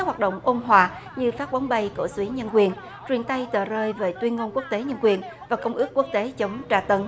hoạt động ôn hòa như phát vốn vay cổ xuyến nhân quyền truyền tay tờ rơi về tuyên ngôn quốc tế nhân quyền và công ước quốc tế chống tra tấn